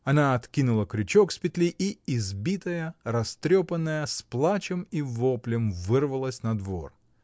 Она откинула крючок с петли и, избитая, растрепанная, с плачем и воплем вырвалась на двор.